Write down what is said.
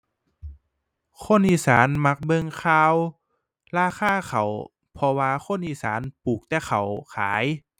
คนอีสานมักเบิ่งข่าวราคาข้าว เพราะว่าคนอีสานปลูกแต่ข้าวขาย